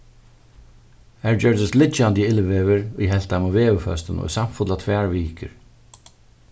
har gjørdist liggjandi illveður ið helt teimum veðurføstum í samfullar tvær vikur